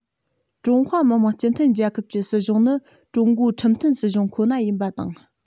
ཀྲུང ཧྭ མི དམངས སྤྱི མཐུན རྒྱལ ཁབ ཀྱི སྲིད གཞུང ནི ཀྲུང གོའི ཁྲིམས མཐུན སྲིད གཞུང ཁོ ན ཡིན པ དང